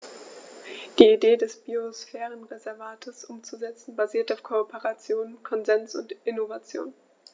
Die Idee des Biosphärenreservates umzusetzen, basiert auf Kooperation, Konsens und Innovation.